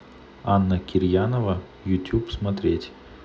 анна кирьянова ютуб смотреть